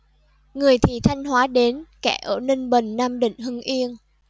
người thì thanh hóa đến kẻ ở ninh bình nam định hưng yên